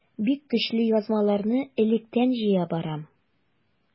Бик көчле язмаларны электән җыя барам.